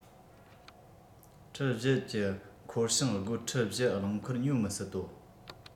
ཁྲི ༤ ཀྱི འཁོར བྱང སྒོར ཁྲི ༤ རླངས འཁོར ཉོ མི སྲིད དོ